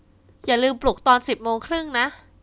อย่าลืมปลุกตอนสิบโมงครึ่งนะ